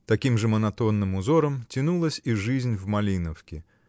Таким же монотонным узором тянулась и жизнь в Малиновке.